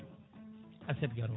aset garowo